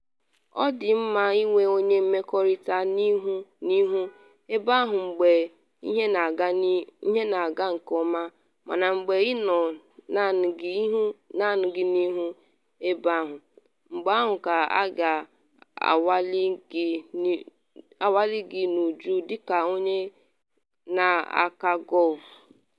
Ọ dị mma inwe onye mmekọrịta n’ihu ebe ahụ mgbe ihe na-aga nke ọma, mana mgbe ịnọ naanị gị n’ihu ebe ahụ, mgbe ahụ ka a ga-anwale gị n’uju dịka onye na-akụ gọlfụ.